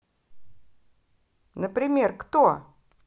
например кто